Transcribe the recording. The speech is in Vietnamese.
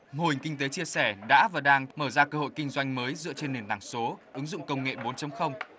mô hình kinh tế chia sẻ đã và đang mở ra cơ hội kinh doanh mới dựa trên nền tảng số ứng dụng công nghệ bốn chấm không